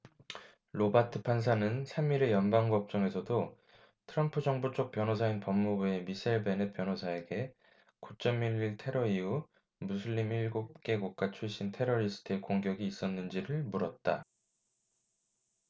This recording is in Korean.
로바트 판사는 삼 일의 연방법정에서도 트럼프 정부쪽 변호사인 법무부의 미셀 베넷 변호사에게 구 쩜 일 일 테러 이후 무슬림 일곱 개국가 출신 테러리스트의 공격이 있었는지를 물었다